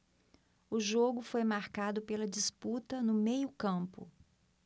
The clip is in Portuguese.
o jogo foi marcado pela disputa no meio campo